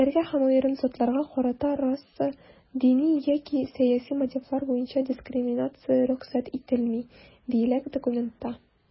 "илләргә һәм аерым затларга карата раса, дини яки сәяси мотивлар буенча дискриминация рөхсәт ителми", - диелә документта.